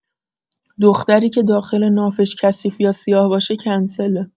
دختری که داخل نافش کثیف یا سیاه باشه کنسله